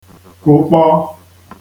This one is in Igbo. kụ̀kpọ